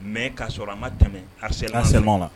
Mais ka sɔrɔ a ma tɛmɛ harcèlement na. Harcèlement na.